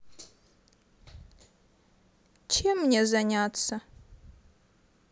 чем мне заняться